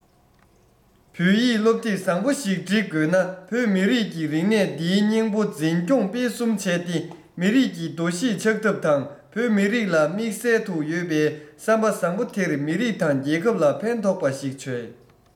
བོད ཡིག སློབ དེབ བཟང བོ ཞིག བསྒྲིག དགོས ན བོད མི རིགས ཀྱི རིག གནས འདིའི སྙིང བོ འཛིན སྐྱོང སྤེལ གསུམ བྱས ཏེ མི རིགས ཀྱི འདུ ཤེས ཆགས ཐབས དང བོད མི རིགས ལ དམིགས བསལ དུ ཡོད པའི བསམ པ བཟང བོ དེར མི རིགས དང རྒྱལ ཁབ ལ ཕན ཐོགས པ གཞི བྱས